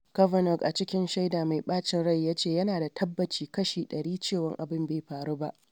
Kavanaugh, a cikin shaida mai ɓacin rai, ya ce yana da tabbaci kashi 100 cewa abin bai faru ba.